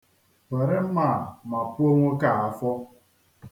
Were mma a mapuo nwoke a afọ.